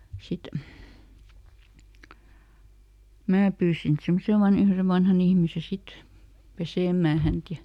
sitten minä pyysin sen saman ihmisen vanhan ihmisen sitten pesemään häntä ja